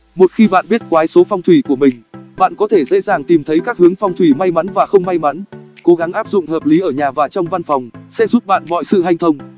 một khi bạn biết quái số phong thủy của mình bạn có thể dễ dàng tìm thấy các hướng phong thủy may mắn và không may mắn cố gắng áp dụng hợp lý ở nhà và trong văn phòng sẽ giúp bạn mọi sự hanh thông